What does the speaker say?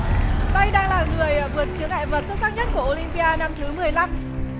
đây đang là người vượt chướng ngại vật xuất sắc nhất của ô lim bi a năm thứ mười lăm